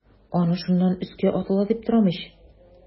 Аны шуннан өскә атыла дип торам ич.